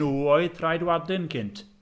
Nhw oedd Traedwadyn cynt.